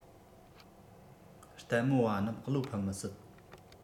ལྟད མོ བ རྣམ བློ ཕམ མི སྲིད